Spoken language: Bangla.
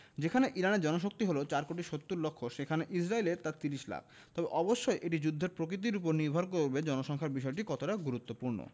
যেখানে ইরানের জনশক্তি হলো ৪ কোটি ৭০ লাখ সেখানে ইসরায়েলের তা ৩০ লাখ তবে অবশ্যই এটি যুদ্ধের প্রকৃতির ওপর নির্ভর করবে জনসংখ্যার বিষয়টি কতটা গুরুত্বপূর্ণ